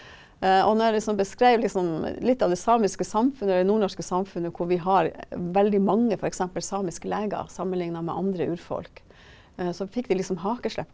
og når jeg liksom beskreiv liksom litt av det samiske samfunnet, eller det nordnorske samfunnet, hvor vi har veldig mange f.eks. samiske leger sammenligna med andre urfolk, så fikk de liksom hakeslepp.